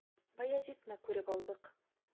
Баязитны күреп алдык.